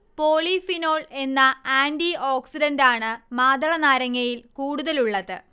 polyphenol എന്ന ആന്റിഓക്സിഡന്റാണ് മാതളനാരങ്ങയിൽ കൂടുതലുള്ളത്